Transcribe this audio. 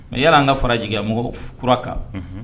Mɛ yala an ka farajɛ mɔgɔ kura kan